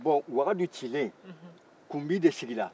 bon wagadu cilen kunbi de sigira